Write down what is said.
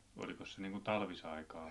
olikos se niin kuin talvisaikaan